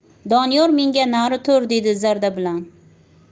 doniyor menga nari tur dedi zarda bilan